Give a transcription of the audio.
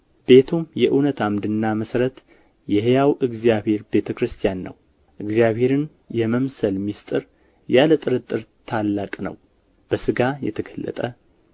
ቤቱም የእውነት ዓምድና መሠረት የሕያው እግዚአብሔር ቤተ ክርስቲያን ነው እግዚአብሔርንም የመምሰል ምሥጢር ያለ ጥርጥር ታላቅ ነው በሥጋ የተገለጠ